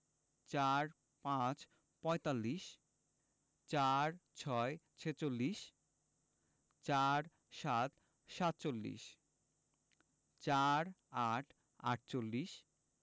৪৫ - পঁয়তাল্লিশ ৪৬ - ছেচল্লিশ ৪৭ - সাতচল্লিশ ৪৮ -আটচল্লিশ